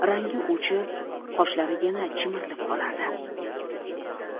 rangi o'chib qoshlari yana chimirilib qolardi